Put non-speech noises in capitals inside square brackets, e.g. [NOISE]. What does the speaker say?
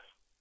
[HESITATION] [HESITATION]